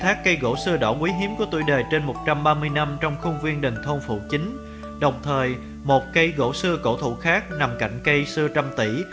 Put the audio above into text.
có tuổi đời trên năm trong khuôn viên đình thôn phụ chính đồng thời một cây sưa đỏ cổ thụ khác nằm cạnh cây sưa trăm tỷ